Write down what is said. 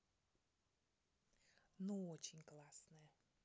ну очень классная